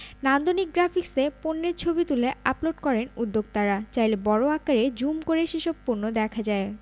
নান্দনিক গ্রাফিকসে পণ্যের ছবি তুলে আপলোড করেন উদ্যোক্তারা চাইলে বড় আকারে জুম করে সেসব পণ্য দেখা যায়